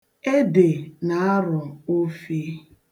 Ede na-arọ ofe.